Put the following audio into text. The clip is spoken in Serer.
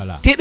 wala